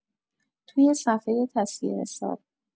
توی صفحۀ تصویه حساب